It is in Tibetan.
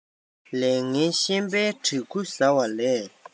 ལས ངན ཤན པའི དྲེག ཁུ བཟའ བ ལས